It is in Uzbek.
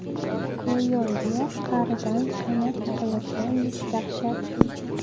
go'yo yer qa'ridan qaynab chiqayotgandek dahshat edi